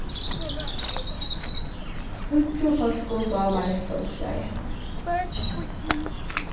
tíggju fólkum dámar hetta uppslagið